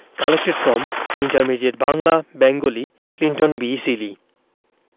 collected from intermediate Bangla Bengali Clinton B Seely